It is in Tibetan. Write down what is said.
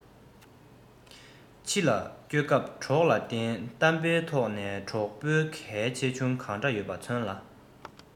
ཕྱི ལ སྐྱོད སྐབས གྲོགས ལ བརྟེན གཏམ དཔེའི ཐོག ནས གྲོགས པོའི གལ ཆེ ཆུང གང འདྲ ཡོད པ མཚོན ལ